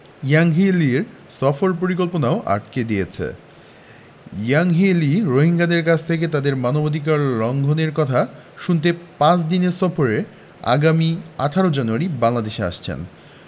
Yanghee লির সফর পরিকল্পনাও আটকে দিয়েছে ইয়াংহি লি রোহিঙ্গাদের কাছ থেকে তাদের মানবাধিকার লঙ্ঘনের কথা শুনতে পাঁচ দিনের সফরে আগামী ১৮ জানুয়ারি বাংলাদেশে আসছেন